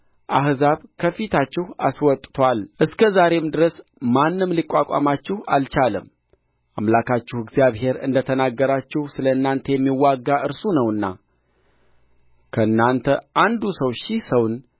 አሕዛብ ከፊታችሁ አስወጥቶአል እስከ ዛሬም ድረስ ማንም ሊቋቋማችሁ አልቻለም አምላካችሁ እግዚአብሔር እንደ ተናገራችሁ ስለ እናንተ የሚዋጋ እርሱ ነውና ከእናንተ አንዱ ሰው ሺህ ሰውን